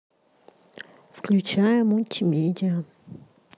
включи мультипедия